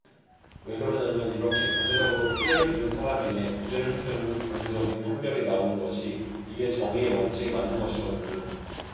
왜 그러냐면 이렇게 강제적으로 피해를 입은 사람에게 구제를 해 주는 강제적인 판결이 나오는 것이 이게 정의의 원칙에 맞는 것이거든요